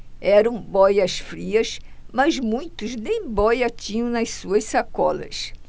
eram bóias-frias mas muitos nem bóia tinham nas suas sacolas